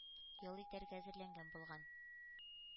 Ял итәргә әзерләнгән булган.